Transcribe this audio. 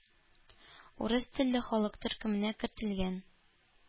«урыс телле халык» төркеменә кертелгән